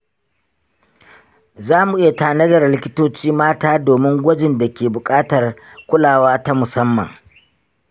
zamu iya tanadar likitoci mata domin gwajin da ke bukatar kulawa ta musamman.